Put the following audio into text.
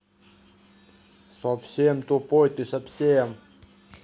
совсем тупой ты совсем